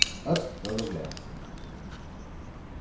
øll vóru glað